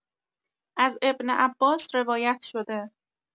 از ابن‌عباس روایت شده